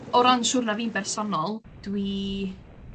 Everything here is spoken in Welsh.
O ran siwrna fi'n bersonol dwi